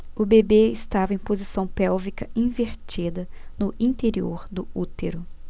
o bebê estava em posição pélvica invertida no interior do útero